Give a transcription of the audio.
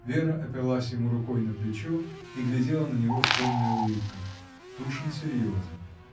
Вера оперлась ему рукой на плечо и глядела на него с томной улыбкой, Тушин серьезно.